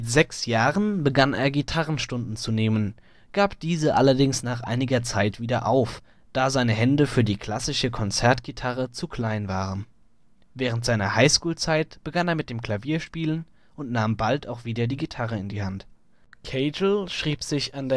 6 Jahren begann er Gitarrenstunden zu nehmen, gab diese allerdings nach einiger Zeit wieder auf, da seine Hände für die klassische Konzertgitarre zu klein waren. Während seiner High-School-Zeit begann er mit dem Klavierspielen und nahm bald auch wieder die Gitarre in die Hand. Cagle schrieb sich an